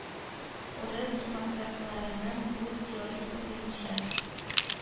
Урыс демократларының бу «теориясе» буенча,